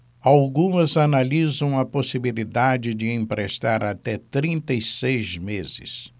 algumas analisam a possibilidade de emprestar até trinta e seis meses